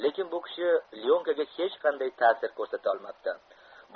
lekin bu kishi lyonkaga hech qanday tasir ko'rsatolmabdi